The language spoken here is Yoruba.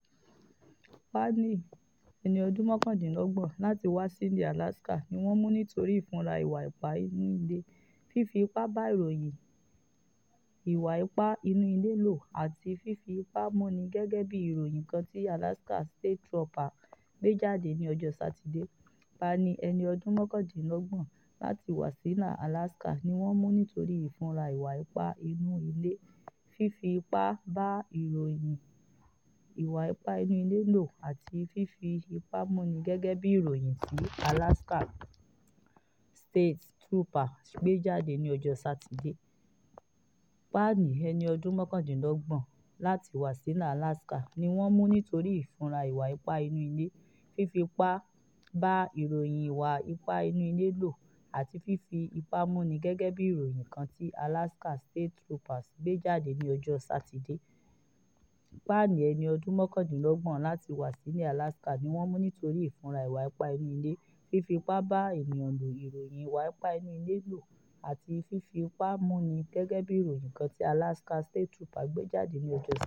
Palin, ẹni ọdún mọ́kàndínlọ́gbọ̀n, láti Wasilla, Alaska, ni wọ́n mú nítorí ìfura ìwà ipá inú ilé, fífi ipá bá ìròyìn ìwà ipá inú ilé lò, àti fífi ipá múni, gẹ́gẹ́ bí ìròyìn kan tí Alaska State Troopers gbé jáde ní ọjọ́ Sátidé.